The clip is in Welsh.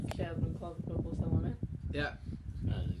Lle odden nw'n cloddio pobols am wn i. Ia. Aye dyna ni.